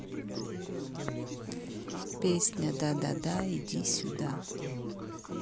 песня да да да иди сюда